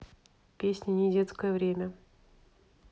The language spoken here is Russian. песня недетское время